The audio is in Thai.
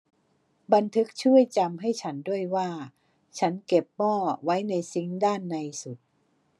บันทึกช่วยจำให้ฉันด้วยว่าฉันเก็บหม้อไว้ในซิงค์ด้านในสุด